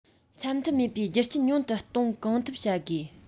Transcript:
འཆམ མཐུན མེད པའི རྒྱུ རྐྱེན ཉུང དུ གཏོང གང ཐུབ བྱ དགོས